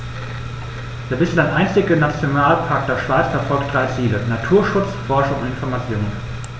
Der bislang einzige Nationalpark der Schweiz verfolgt drei Ziele: Naturschutz, Forschung und Information.